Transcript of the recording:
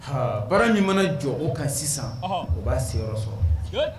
H baara ɲuman mana jɔ o kan sisan o b'a seyɔrɔ sɔrɔ